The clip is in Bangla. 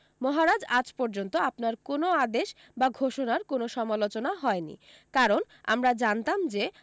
মহারাজ আজ পর্যন্ত আপনার কোনো আদেশ বা ঘোষণার কোনো সমালোচনা হয়নি কারণ আমরা জানতাম যে